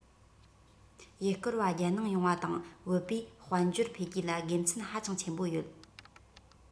ཡུལ སྐོར བ རྒྱལ ནང ཡོང བ དང བུད པས དཔལ འབྱོར འཕེལ རྒྱས ལ དགེ མཚན ཧ ཅང ཆེན པོ ཡོད